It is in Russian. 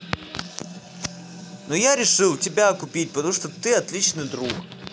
ну я решил тебя купить потому что ты отличный друг